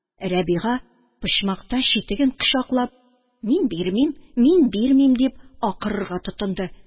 Рәбига, почмакта читеген кочаклап: – Мин бирмим, мин бирмим, – дип акырырга тотынды